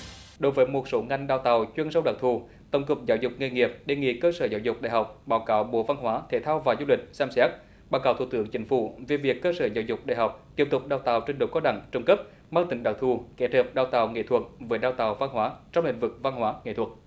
đối với một số ngành đào tạo chuyên sâu đặc thù tổng cục giáo dục nghề nghiệp đề nghị cơ sở giáo dục đại học báo cáo bộ văn hóa thể thao và du lịch xem xét báo cáo thủ tướng chính phủ về việc cơ sở giáo dục đại học tiếp tục đào tạo trình độ cao đẳng trung cấp mang tính đặc thù kết hợp đào tạo nghệ thuật với đào tạo văn hóa trong lĩnh vực văn hóa nghệ thuật